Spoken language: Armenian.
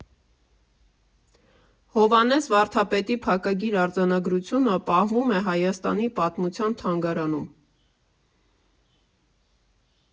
Հովհաննես վարդապետի փակագիր արձանագրությունը պահվում է Հայաստանի պատմության թանգարանում։